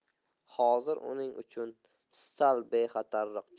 hozir uning uchun sal bexatarroq